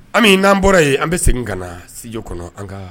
An n'an bɔra yen an bɛ segin ka na sdi kɔnɔ an ka